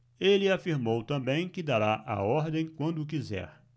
ele afirmou também que dará a ordem quando quiser